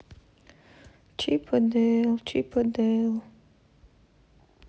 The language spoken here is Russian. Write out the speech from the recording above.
чип и дейл чип и дейл